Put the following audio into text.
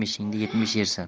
yetmishingda yemishin yersan